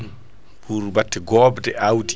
pour batte gobde awdi